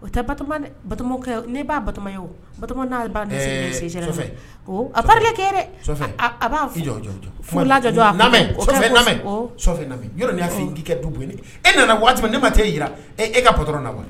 O tɛ ne'a n'ale a ke a b'a kɛ du e nana waati ne ma tɛ e jira e ka na